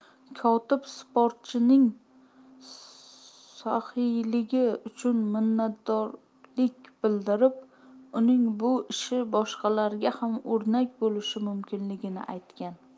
kotib sportchining saxiyligi uchun minnatdorlik bildirib uning bu ishi boshqalarga ham o'rnak bo'lishi mumkinligini aytgan